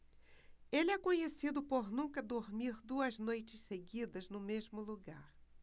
ele é conhecido por nunca dormir duas noites seguidas no mesmo lugar